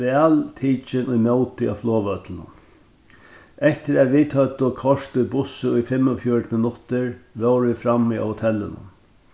væl tikin ímóti á flogvøllinum eftir at vit høvdu koyrt í bussi í fimmogfjøruti minuttir vóru vit frammi á hotellinum